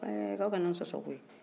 ko ee ko aw kana n sɔsɔ koyi